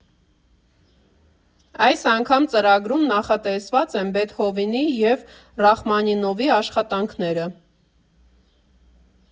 Այս անգամ ծրագրում նախատեսված են Բեթհովենի և Ռախմանինովի աշխատանքները։